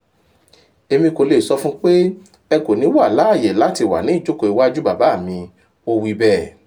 "Èmi kò le sọ fún pé ‘ẹ kò ní wà láyé láti wà ní ìjókòó ìwájú bábá mi’,” ó wí bẹ̀ẹ̀.